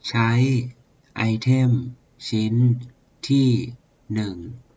ใช้ไอเทมชิ้นที่หนึ่ง